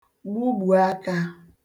gbugbù akā